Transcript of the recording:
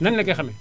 nan la koy xamee